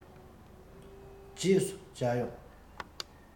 རྗེས སུ མཇལ ཡོང